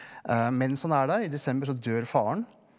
mens han er der i desember så dør faren.